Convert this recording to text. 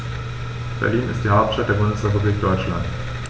Berlin ist die Hauptstadt der Bundesrepublik Deutschland.